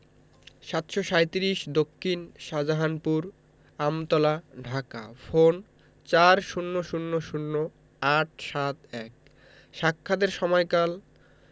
৭৩৭ দক্ষিন শাহজাহানপুর আমতলা ধাকা ফোনঃ ৪০০০৮৭১ সাক্ষাতের সময়কাল